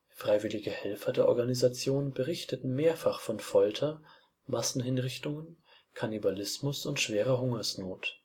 Freiwillige Helfer der Organisation berichteten mehrfach von Folter, Massenhinrichtungen, Kannibalismus und schwerer Hungersnot